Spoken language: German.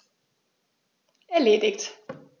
Erledigt.